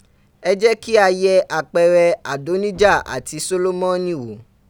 E je ki a ye apeere Adonija ati Solomoni wo